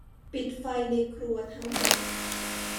ปิดไฟในห้องครัวทั้งหมด